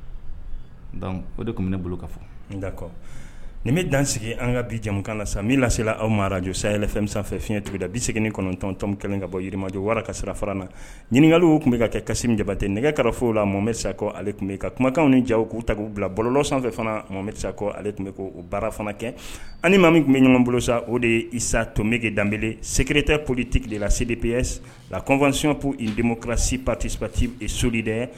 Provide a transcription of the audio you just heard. O de tun bɛ ne bolo ka fɔ kɔ nin bɛ dansigi an ka bija kana na san min lasela aw maj saya yɛlɛ fɛn fiɲɛda bi segin kɔnɔntɔntɔn kelen ka bɔ yirimajjɔ wara ka sira fara na ɲininkakaw tun bɛ ka kɛ kasi jabatɛ nɛgɛfo la mɔ sakɔ ale tun bɛ ka kumakanw ni ja k'u ta bila bɔlɔ sanfɛ fana mɔsakɔ ale tun bɛ baara fana kɛ ani maa min tun bɛ ɲɔgɔn bolo sa o de isa to bɛge dab seererete pauloli tɛla sedipy la kɔnfasiyɔnp i denmusomosiptispti soli dɛ